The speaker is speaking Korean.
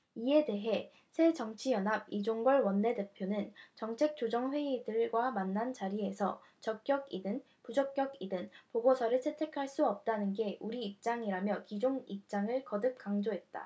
이에 대해 새정치연합 이종걸 원내대표는 정책조정회의 들과 만난 자리에서 적격이든 부적격이든 보고서를 채택할 수 없다는 게 우리 입장이라며 기존 입장을 거듭 강조했다